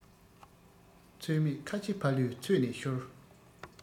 ཚོད མེད ཁ ཆེ ཕ ལུའི ཚོད ནས ཤོར